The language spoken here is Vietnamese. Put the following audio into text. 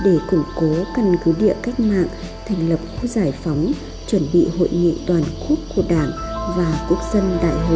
để củng cố căn cứ địa cách mạng thành lập khu giải phóng chuẩn bị hội nghị toàn quốc của đảng và quốc dân đại hội